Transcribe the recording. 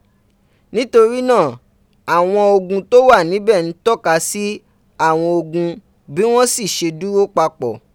Nítorí náà, àwọn Ogun tó wà níbẹ̀ ń tọ́ka sí àwọn Ogun, bí wọ́n sì ṣe dúró pa pọ̀.